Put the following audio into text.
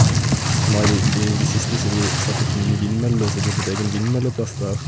Og nå i de i det siste så har de satt opp nye vindmøller, så de har fått egen vindmølleplass der.